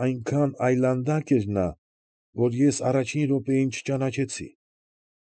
Այնքան այլանդակ էր նա, որ ես առաջին րոպեին չճանաչեցի։